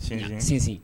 Sinsin